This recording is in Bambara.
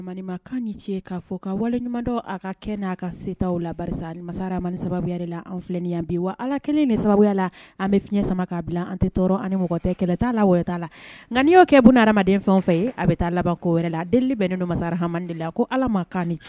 Makan ni ce k'a fɔ ka wale ɲuman a ka kɛ n' a ka setaw lasa masamani ni sababuyari la an filɛ yan bi wa ala kelen de sababuya la an bɛ fiɲɛ sama k' bila an tɛ tɔɔrɔ ani mɔgɔ tɛ kɛlɛ' la wɛrɛ la nkaani y'o kɛ bon hadamaden fɛn fɛ yen a bɛ taa labanko wɛrɛ la delieli bɛ ne masa hadamade la ko ala ma cɛ